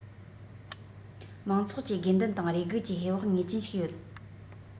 མང ཚོགས ཀྱི དགོས འདུན དང རེ སྒུག ཀྱི ཧེ བག ངེས ཅན ཞིག ཡོད